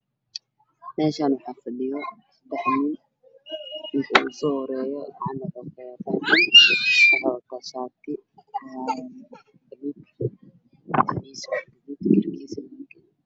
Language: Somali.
Gaari aad iyo aad u wayn ayaa waxa uu ku gadoomay waddada